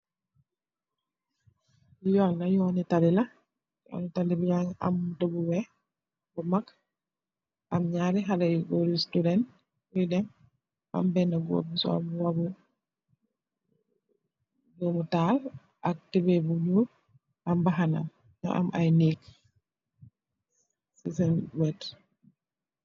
Yoon laah , yooneh taleh laah taleh mbakeh emm motor yuuh weeh yu makk njareh haleh goor leeh student yu dem , benaah goor bu sol mbubah buuh dubeeh taal buuh nuul ak bahanam muuh emm ayy neek seen weet.